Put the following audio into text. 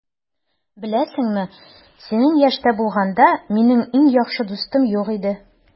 Беләсеңме, синең яшьтә булганда, минем иң яхшы дустым юк иде.